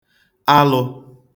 alụ̄